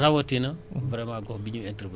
ci gérer seen risque bi